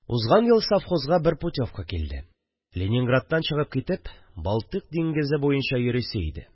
Узган ел совхозга бер путевка килде – Ленинградтан чыгып китеп, Балтыйк диңгезе буенча йөрисе иде